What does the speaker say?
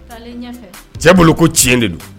Taalen ɲɛfɛ. Cɛ bolo ko tiɲɛ de don.